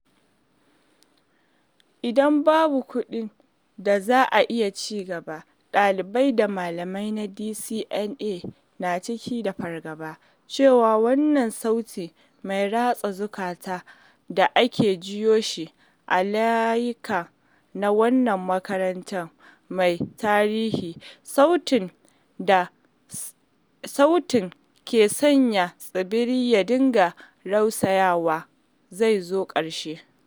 Idan babu kuɗin da za a iya cigaba, ɗalibai da malaman na DCMA na cike da fargabar cewa wannan sautin mai ratsa zukata da ake jiyo shi a layika na wannan makaranta mai tarihi, sautin da ke sanya tsibirin ya dinga rausayawa zai zo ƙarshe.